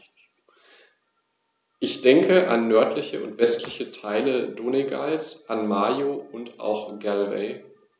Ich denke an nördliche und westliche Teile Donegals, an Mayo, und auch Galway.